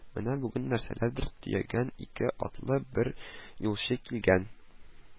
Менә бүген нәрсәләрдер төягән ике атлы бер юлчы килгән